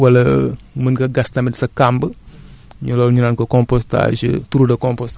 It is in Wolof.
nga kii ko wala mën nga gas tamit sa kàmb